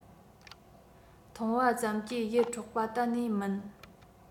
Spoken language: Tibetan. མཐོང བ ཙམ གྱིས ཡིད འཕྲོག པ གཏན ནས མིན